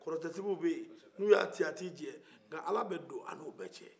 kɔrɔtɛtigiw bɛ yen n'u y'a ci a t'i jɛ n'ka ala bɛ don a n'o bɛɛ cɛ